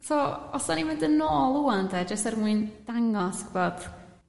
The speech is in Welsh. So os 'da ni'n mynd yn ôl ŵan 'de jyst er mwyn dangos t'gwbod